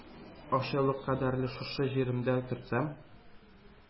Ашъяулык кадәрле шушы җиремдә төртсәм